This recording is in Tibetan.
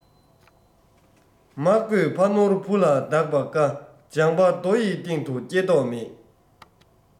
མ བཀོད ཕ ནོར བུ ལ བདག པ དཀའ ལྗང པ རྡོ ཡི སྟེང དུ སྐྱེ མདོག མེད